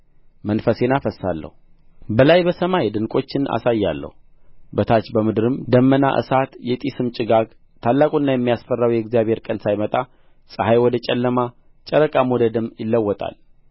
መንፈሴን አፈስሳለሁ በላይ በሰማይ ድንቆችን አሳያለሁ በታች በምድርም ደምና እሳት የጢስም ጭጋግ ታላቁና የሚያስፈራው የእግዚአብሔር ቀን ሳይመጣ ፀሐይ ወደ ጨለማ ጨረቃም ወደ ደም ይለወጣል